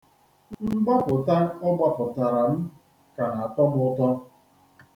Mgbapụta ọ gbapụtara m ka na-atọ m ụtọ.